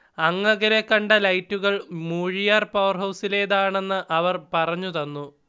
അങ്ങകലെ കണ്ട ലൈറ്റുകൾ മൂഴിയാർ പവർഹൗസിലേതാണെന്ന് അവർ പറഞ്ഞു തന്നു